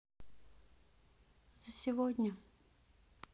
за сегодня